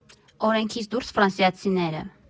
Օրենքից դուրս ֆրանսիացիները։